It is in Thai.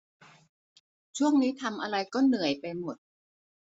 ช่วงนี้ทำอะไรก็เหนื่อยไปหมด